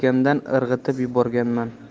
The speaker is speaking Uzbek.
yelkamdan irg'itib yuborganman